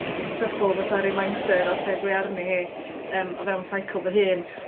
dybl fatha reminder o lle dwi arni hi. Yym o fewn cycle fy hun.